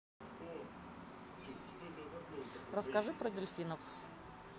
расскажи про дельфинов